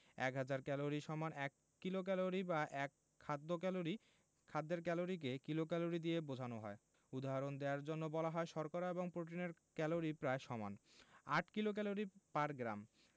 এক হাজার ক্যালরি সমান এক কিলোক্যালরি বা এক খাদ্য ক্যালরি খাদ্যের ক্যালরিকে কিলোক্যালরি দিয়ে বোঝানো হয় উদাহরণ দেয়ার জন্যে বলা যায় শর্করা এবং প্রোটিনের ক্যালরি প্রায় সমান ৮ কিলোক্যালরি পার গ্রাম